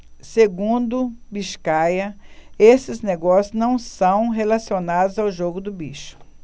segundo biscaia esses negócios não são relacionados ao jogo do bicho